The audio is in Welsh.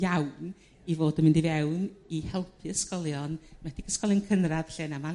iawn i fod yn mynd i fewn i helpu ysgolion 'nwedig ysgolion cynradd lle'n amal